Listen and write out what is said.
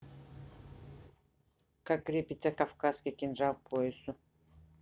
как крепится кавказский кинжал к поясу